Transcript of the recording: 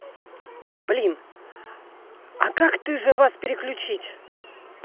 блин а как ты же вас переключить